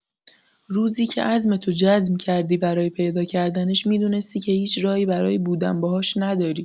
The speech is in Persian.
روزی که عزمتو جزم کردی برای پیدا کردنش می‌دونستی که هیچ راهی برای بودن باهاش نداری.